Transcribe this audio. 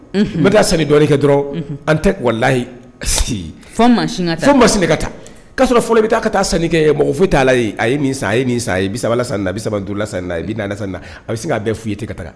N taa san dɔɔnin kɛ dɔrɔn an tɛ walalayi si masina mas ka taa k' sɔrɔ fɔlɔ bɛ taa ka taa san kɛ mɔgɔ foyi t' ala a ye san a ye san a i bi sabala sa na a bɛ san donla sa i bi sa a bɛ se k a bɛɛ foyi i ye te ka taa